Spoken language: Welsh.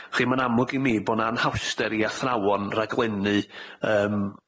y'ch chi, ma'n amlwg i mi bo' 'na anhawster i athrawon raglennu yym